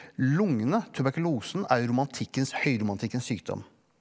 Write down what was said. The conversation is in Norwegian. lungene tuberkulosen er romantikkens høyromantikkens sykdom.